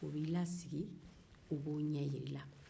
u b'i lasigi u b'o ɲɛ jira i la